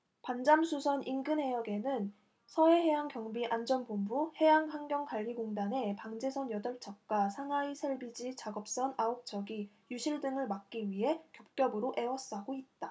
반잠수선 인근해역에는 서해해양경비안전본부 해양환경관리공단의 방제선 여덟 척과 상하이 샐비지 작업선 아홉 척이 유실 등을 막기 위해 겹겹으로 에워싸고 있다